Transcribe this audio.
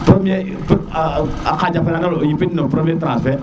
premier% a xaja peranda le o yipin no première tranche fe